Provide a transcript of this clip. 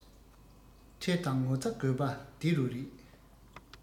ཁྲེལ དང ངོ ཚ དགོས པ འདི རུ རེད